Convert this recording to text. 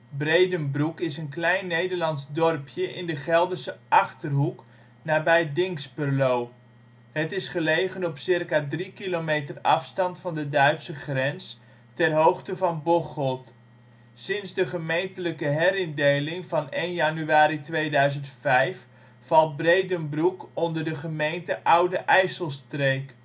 Breedenbroek is een klein Nederlands dorpje in de Gelderse Achterhoek, nabij Dinxperlo. Het is gelegen op circa 3 km afstand van de Duitse grens, ter hoogte van Bocholt. Sinds de gemeentelijke herindeling van 1 januari 2005 valt Breedenbroek onder de gemeente Oude IJsselstreek